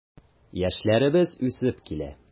Яшьләребез үсеп килә.